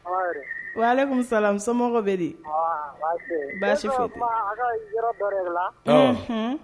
Wa ale musalamusomɔgɔw bɛ baasifu